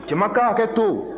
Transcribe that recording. jama ka hakɛ to